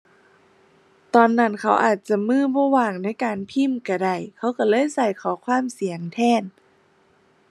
ตอนนั้นเขาอาจจะมือบ่ว่างในการพิมพ์ก็ได้ เขาก็เลยก็ข้อความเสียงแทน